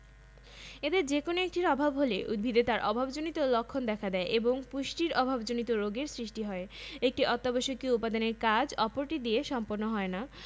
নাইট্রোজেনের অভাব হলে ক্লোরোফিল সৃষ্টি ব্যাহত হয় আর ক্লোরোফিল সৃষ্টি ব্যাহত হলে খাদ্য প্রস্তুত বাধাপ্রাপ্ত হয় খাদ্যপ্রস্তুত বাধাপ্রাপ্ত হলে শ্বসন প্রক্রিয়ায় বিঘ্ন ঘটে এবং শক্তি নির্গমন হ্রাস পায় ম্যাগনেসিয়াম